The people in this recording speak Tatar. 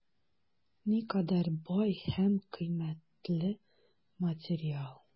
Никадәр бай һәм кыйммәтле материал!